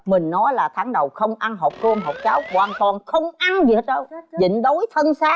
mình nó là tháng đầu không ăn hột cơm hột cháo hoàn toàn không ăn gì hết trơn á nhịn đói thân xác